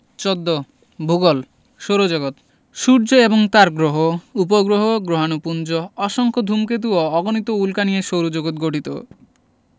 ১৪ ভূগোল সৌরজগৎ সূর্য এবং তার গ্রহ উপগ্রহ গ্রহাণুপুঞ্জ অসংখ্য ধুমকেতু ও অগণিত উল্কা নিয়ে সৌরজগৎ গঠিত